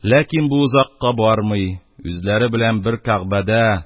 Ләкин бу озакка бармый, үзләре белән бер кәгъбәдә,